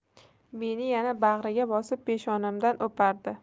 meni yana bag'riga bosib peshonamdan o'pardi